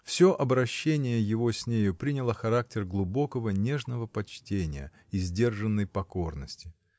Всё обращение его с нею приняло характер глубокого, нежного почтения и сдержанной покорности.